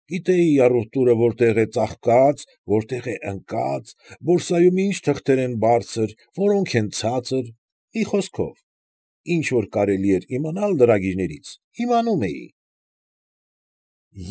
Գիտեի առուտուրը որտե՛ղ է ծաղկած, որտե՛ղ է ընկած, բորսայում ինչ թղթեր են բարձր, որոնք են ցածր, մի խոսքով, ի՛նչ որ կարելի էր իմանալ լրագիրներից, իմանում էի։